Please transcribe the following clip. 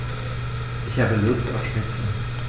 Ich habe Lust auf Schnitzel.